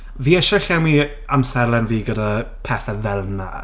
Fi eisiau llenwi amserlen fi gyda pethau fel 'na.